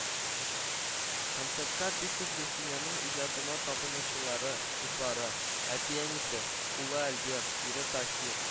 Концертка бик күп Гөлсинәнең иҗатына табынучылары, дуслары, әти-әнисе, улы Альберт, ире Таһир